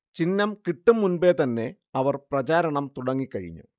ചിഹ്നം കിട്ടും മുൻപേ തന്നെ അവർ പ്രചാരണം തുടങ്ങിക്കഴിഞ്ഞു